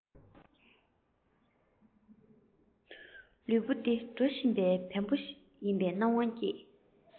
ལུས པོ འདི འགྲོ ཤེས པའི བེམ པོ ཡིན པའི སྣང བ སྐྱེས